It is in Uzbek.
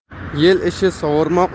yel ishi sovurmoq